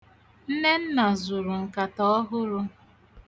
Nnenna zụrụ nkata ọhụrụ.